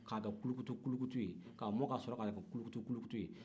k'a kɛ kulukutu-kulukutu ye k'a mɔ ka sɔrɔ k'a kɛ kulukutu-kulukutu ye